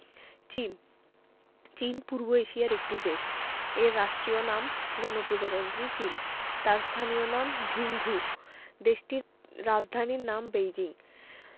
চীনঃ চীন পূর্ব এশিয়ার একটি দেশ এর রাষ্ট্রীয় নাম গণপ্রজাতন্ত্রী চীন আর স্থানীয় নাম ঝুংঘু দেশটির রাজধানীর নাম বেইজিং